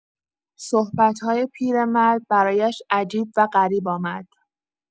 صحبت‌های پیرمرد برایش عجیب و غریب آمد.